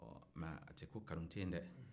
mɛ a tɛ ko kanu tɛ yen de